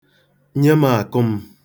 Nye m akụ.